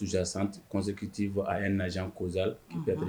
Sonsa san kɔsoki t'i fɔ a ye na kozsa bɛɛ